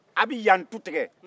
a' bɛ yan tu tigɛ